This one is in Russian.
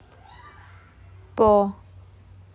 по